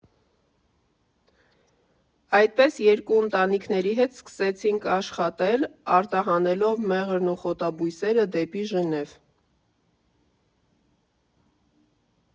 Այդպես երկու ընտանիքների հետ սկսեցին աշխատել՝ արտահանելով մեղրն ու խոտաբույսերը դեպի Ժնև։